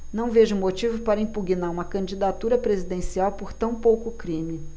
não vejo motivo para impugnar uma candidatura presidencial por tão pouco crime